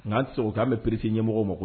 Nka'an sago k'an bɛ piri ɲɛmɔgɔmɔgɔ